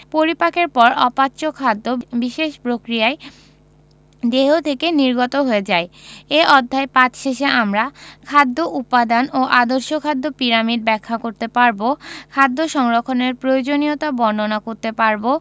পরিপাকের পর অপাচ্য খাদ্য বিশেষ প্রক্রিয়ায় দেহ থেকে নির্গত হয়ে যায় এ অধ্যায় পাঠ শেষে আমরা খাদ্য উপাদান ও আদর্শ খাদ্য পিরামিড ব্যাখ্যা করতে পারব খাদ্য সংরক্ষণের প্রয়োজনীয়তা বর্ণনা করতে পারব